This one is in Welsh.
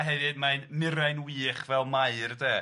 a hefyd ma'i'n mireinwych fel Mair de